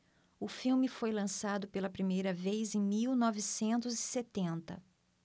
o filme foi lançado pela primeira vez em mil novecentos e setenta